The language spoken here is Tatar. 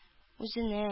Үзенә